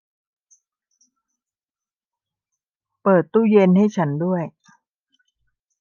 เปิดตู้เย็นให้ฉันด้วย